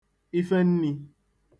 ifennī